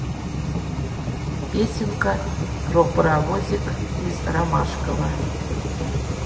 песенка про паровозик из ромашково